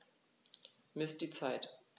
Miss die Zeit.